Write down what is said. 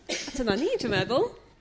a dyna ni dwi meddwl.